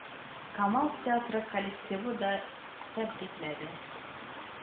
Камал театры коллективы да тәбрикләде